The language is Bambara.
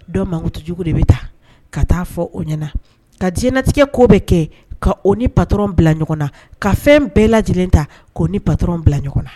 Dɔ makutu jugu de bɛ taa ka taa fɔ o ɲɛna ka diɲɛɲɛnatigɛ ko bɛ kɛ ka o ni patoon bila ɲɔgɔn na ka fɛn bɛɛ lajɛlen ta'o ni patoon bila ɲɔgɔn na